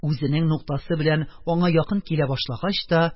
Үзенең нуктасы белән аңа якын килә башлагач та,